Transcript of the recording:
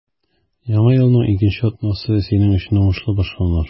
Яңа елның икенче атнасы синең өчен уңышлы башланыр.